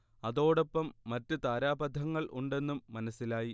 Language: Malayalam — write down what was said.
അതോടൊപ്പം മറ്റ് താരാപഥങ്ങൾ ഉണ്ടെന്നും മനസ്സിലായി